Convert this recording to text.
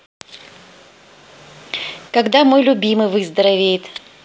когда мой любимый выздоровеет